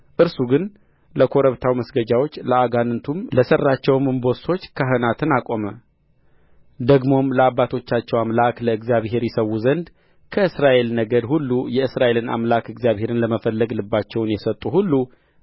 እርሱ ግን ለኮረብታው መስገጃዎች ለአጋንንቱም ለሠራቸውም እምቦሶች ካህናትን አቆመ ደግሞም ለአባቶቻቸው አምላክ ለእግዚአብሔር ይሠዉ ዘንድ ከእስራኤል ነገድ ሁሉ የእስራኤልን አምላክ እግዚአብሔርን ለመፈለግ ልባቸውን የሰጡ ሁሉ